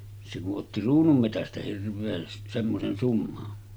se kun otti kruununmetsästä hirveän semmoisen summan